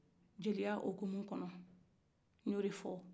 jeliya hukumu kɔnɔ n y'o de fɔ